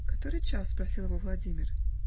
"Который час?" -- спросил его Владимир.